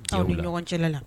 Aw ni ɲɔgɔn cɛla la